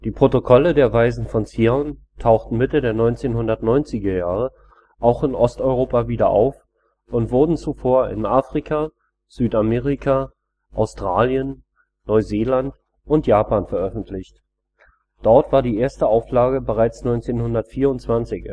Protokolle der Weisen von Zion tauchten Mitte der 1990er Jahre auch in Osteuropa wieder auf und wurden zuvor in Afrika, Südamerika, Australien, Neuseeland und Japan veröffentlicht. Dort war die erste Auflage bereits 1924